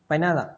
ไปหน้าหลัก